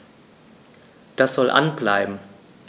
Das soll an bleiben.